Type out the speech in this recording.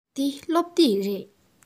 འདི སློབ དེབ རེད